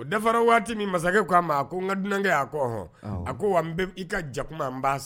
O dafara waati min masakɛ ko'a ma a ko n ka dunan' ko hɔn a ko wa n i ka jakuma n ba